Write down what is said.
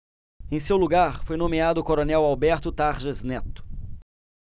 em seu lugar foi nomeado o coronel alberto tarjas neto